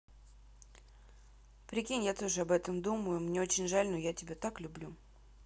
прикинь я тоже об этом думаю мне очень жаль но я тебя так люблю